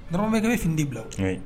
Dɔrɔmɛ 1 ye de fini bila, oui